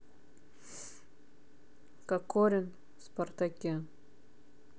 кокорин в спартаке